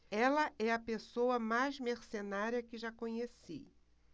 ela é a pessoa mais mercenária que já conheci